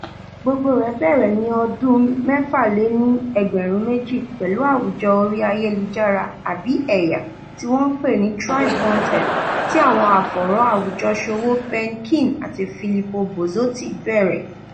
Gbogbo rẹ̀ bẹ̀rẹ̀ ní ọdún 2006 pẹ̀lú àwùjọ orí ayélujára àbí "ẹ̀yà" tí wọ́n ń pè ní TribeWanted tí àwọn afọ̀ràn-àwùjọṣòwò Ben Keene àti Filippo Bozotti bẹ̀rẹ̀.